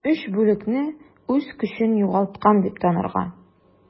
3 бүлекне үз көчен югалткан дип танырга.